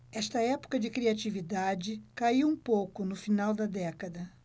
esta época de criatividade caiu um pouco no final da década